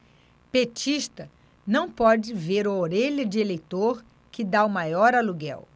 petista não pode ver orelha de eleitor que tá o maior aluguel